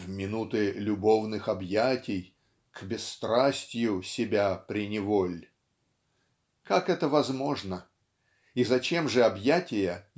В минуты любовных об'ятий, К бесстрастью себя приневоль. Как это возможно? И зачем же об'ятия